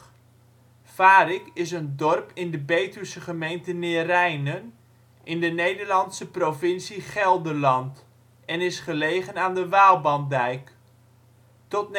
Varik is een dorp in de Betuwse gemeente Neerijnen, in de Nederlandse provincie Gelderland en is gelegen aan de Waalbandijk. Tot